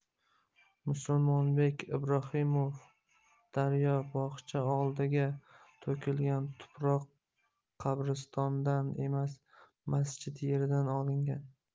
musulmonbek ibrohimov daryo bog'cha oldiga to'kilgan tuproq qabristondan emas masjid yeridan olingan